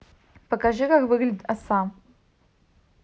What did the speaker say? покажи как выглядит оса